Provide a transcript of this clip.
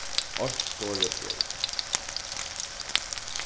eitt skorið breyð